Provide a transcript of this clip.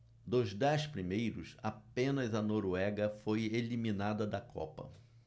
dos dez primeiros apenas a noruega foi eliminada da copa